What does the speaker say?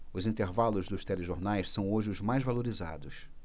os intervalos dos telejornais são hoje os mais valorizados